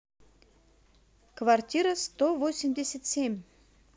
квартира сто восемьдесят семь